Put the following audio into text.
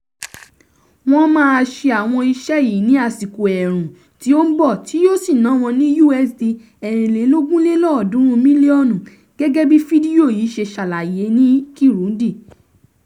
Wọ́n máa ṣe àwọn iṣẹ́ yìí ní àsìkò ẹ̀ẹ̀rùn tí ó ń bọ̀ tí yóò sì ná wọn ní USD 324 mílíọ̀nù, gẹ́gẹ́ bí fídíò yìí ṣe ṣàlàyé ní Kirundi.